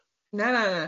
Na na na.